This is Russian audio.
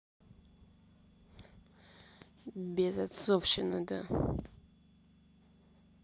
безотцовщина да